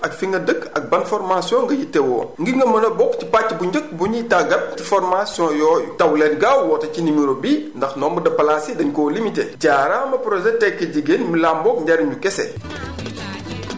ak fi nga dëkk ak ban formation nga yitteewoo woon ngir nga mën a bokk ci pàcc bu njëkk bu ñuy tàggat ci formation yooyu daw leen gaaw woote ci numero bii ndax nombre de place yi dan koo limité jaaraama projet tekki jiggéen mi làmboo njariñu kase